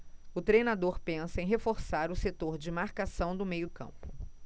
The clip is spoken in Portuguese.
o treinador pensa em reforçar o setor de marcação do meio campo